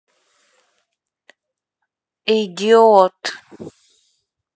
idiot